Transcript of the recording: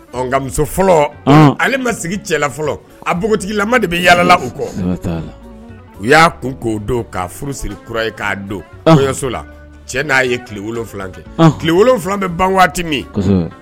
N ka muso fɔlɔ, ale ma sigi cɛ la fɔlɔ, a npogotigilama de bɛ yaala u kɔ, siga t'a, u y'a kun k'o don k'a furu siri kura ye k'a don kɔɲɔso la cɛ n'a ye tile 7 kɛ, tile 7 bɛ ban waati min